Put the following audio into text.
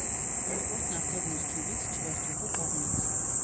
Երկրորդն արդեն ներքևից, չվերթուղու կողմից։